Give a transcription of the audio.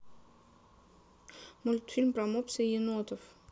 мультфильм про мопса и енотов